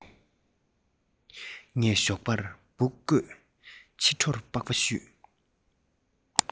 ངས ཞོགས པར འབུ བརྐོས ཕྱི དྲོར པགས པ བཤུས